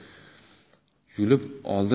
yulib oldi da